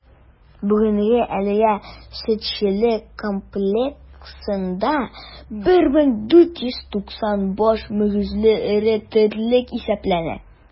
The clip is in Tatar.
Бүген әлеге сөтчелек комплексында 1490 баш мөгезле эре терлек исәпләнә.